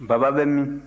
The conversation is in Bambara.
baba bɛ min